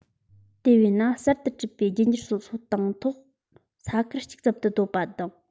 དེ བས ན གསར དུ གྲུབ པའི རྒྱུད འགྱུར སོ སོ དང ཐོག ས ཁུལ གཅིག ཙམ ཏུ སྡོད པ དང